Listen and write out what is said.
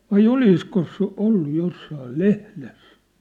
vai olisiko se ollut jossakin lehdessä